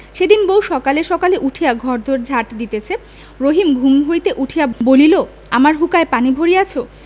সেদিন বউ সকালে সকালে উঠিয়া ঘর দোর ঝাট দিতেছে রহিম ঘুম হইতে উঠিয়া বলিল আমার হুঁকায় পানি ভরিয়াছ